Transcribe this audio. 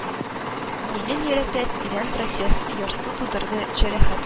Минем йөрәктә тирән протест, ярсу тудырды, җәрәхәт эзләре